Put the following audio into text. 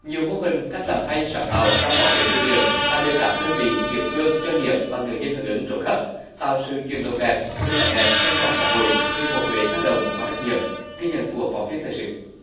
nhiều mô hình cách làm hay sáng tạo trong bảo vệ môi trường đã được các đơn vị địa phương doanh nghiệp và người dân hưởng ứng rộng khắp tạo sự chuyển động đẹp hình ảnh đẹp trong toàn xã hội vì một huế năng động và trách nhiệm ghi nhận của phóng viên thời sự